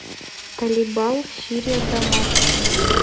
talibal сирия дамаск